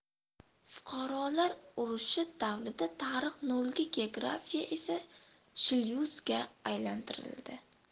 fuqarolar urushi davrida tarix nolga geografiya esa shlyuzga aylantirildi